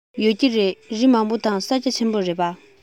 ཡོད ཀྱི རེད རི མང པོ དང ས རྒྱ ཆེན པོ རེད པ